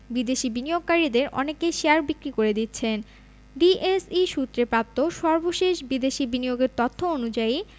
বিদেশি বিনিয়োগকারীদের অনেকে শেয়ার বিক্রি করে দিচ্ছেন ডিএসই সূত্রে প্রাপ্ত সর্বশেষ বিদেশি বিনিয়োগের তথ্য অনুযায়ী